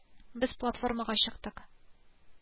Без платформага чыктык